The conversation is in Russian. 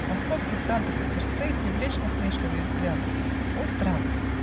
Московских франтов и цирцей Привлечь насмешливые взгляды!. О страх!